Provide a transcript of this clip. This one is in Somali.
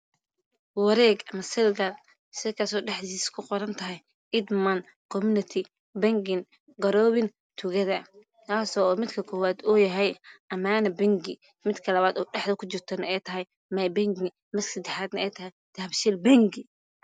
Warewg ayaa kuqoran bingo midka labd dahabi shiil bangi